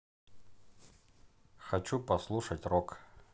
хочу послушать рок